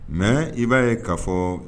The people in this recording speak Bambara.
Mɛ i b'a ye ka fɔ